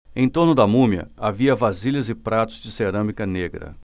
em torno da múmia havia vasilhas e pratos de cerâmica negra